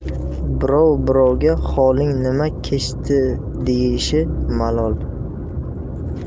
birov birovga holing nima kechdi deyishi mahol